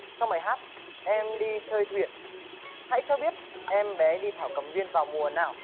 trong bài hát em đi chơi thuyền hãy cho biết em bé đi thảo cầm viên vào mùa nào